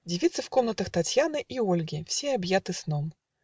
Девицы в комнатах Татьяны И Ольги все объяты сном.